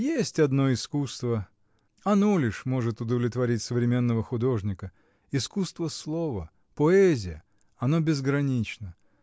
— Есть одно искусство: оно лишь может удовлетворить современного художника: искусство слова, поэзия: оно безгранично.